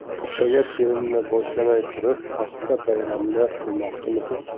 ertaga terimni boshlamay turib paxta bayrami qilmoqchimiz